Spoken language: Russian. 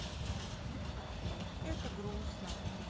это грустно